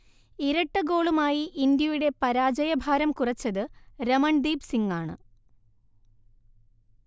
ഇരട്ടഗോളുമായി ഇന്ത്യയുടെ പരാജയഭാരം കുറച്ചത് രമൺദീപ് സിങ്ങാണ്